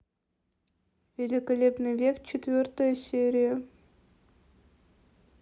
великолепный век четвертая серия